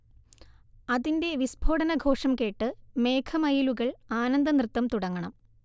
അതിന്റെ വിസ്ഫോടനഘോഷം കേട്ട് മേഘമയിലുകൾ ആനന്ദനൃത്തം തുടങ്ങണം